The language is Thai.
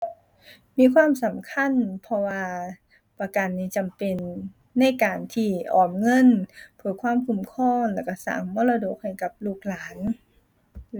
มีความสำคัญ เพราะว่าประกันนี่จำเป็นในการที่ออมเงินเพื่อความคุ้มครอง แล้วก็สร้างมรดกให้กับลูกหลาน